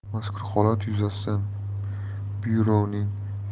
mazkur holat yuzasidan byuroning